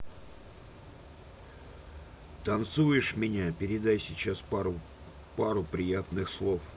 танцуешь меня передай сейчас пару пару приятных слов